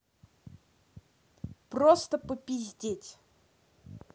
просто пиздеть